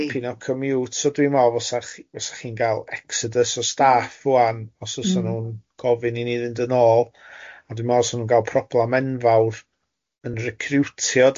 Dipyn o commute, so dwi'n meddwl fysa chi fysa chi'n gael exodus o staff rŵan os fysa nhw'n gofyn i ni fynd yn ôl, ond dwi'n meddwl fysa nhw'n gael problem enfawr yn recriwtio.